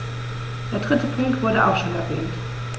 Der dritte Punkt wurde auch schon erwähnt.